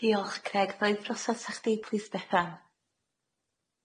Diolch Craig ddoi drodd ata chdi plîs Bethan.